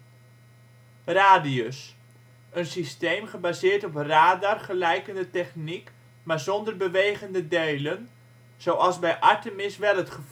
RADius. Een systeem gebaseerd op radar gelijkende techniek, maar zonder bewegende delen, zoals bij Artemis wel het